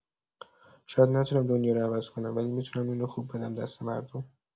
شاید نتونم دنیا رو عوض کنم، ولی می‌تونم نون خوب بدم دست مردم.